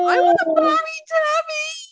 I want to marry Dami.